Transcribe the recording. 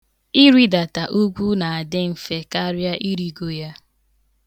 Ịridata ugwu na-adị mfe karịa irigoro ya.